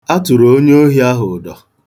A tụrụ onyeohi ahụ udo.